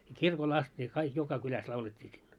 ja kirkolla asti ne kaikki joka kylässä laulettiin silloin